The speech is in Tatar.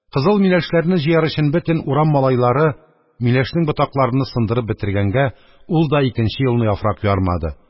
Кызыл миләшләрне җыяр өчен бөтен урам малайлары миләшнең ботакларыны сындырып бетергәнгә, ул да икенче елны яфрак ярмады.